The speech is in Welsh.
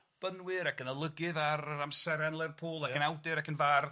annibynwyr ac yn olygydd ar yr amseren Lerpwl ac yn awdur ac yn fardd.